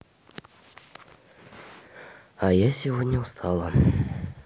а я сегодня устала